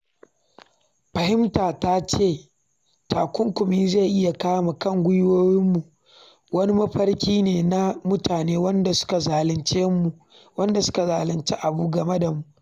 “Fahimta ta cewa takunkumi zai iya kawo mu kan gwiwowinmu wani mafarki ne na mutane waɗanda suka zahilci abu game da mu.